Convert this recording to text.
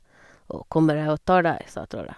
Å kommer jeg og tar deg, sa trollet.